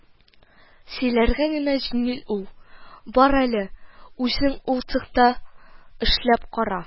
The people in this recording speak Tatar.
Сөйләргә генә җиңел ул, бар әле, үзең ул цехта эшләп кара